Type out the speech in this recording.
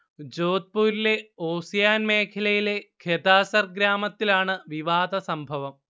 ജോധ്പുരിലെ ഓസിയാൻ മേഖലയിലെ ഖെതാസർ ഗ്രാമത്തിലാണ് വിവാദസംഭവം